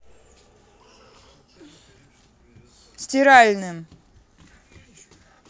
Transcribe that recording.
стиральным